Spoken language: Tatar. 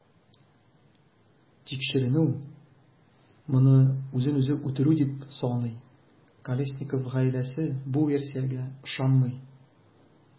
Тикшеренү моны үзен-үзе үтерү дип саный, Колесников гаиләсе бу версиягә ышанмый.